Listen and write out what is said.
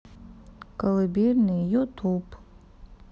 колыбельные ютуб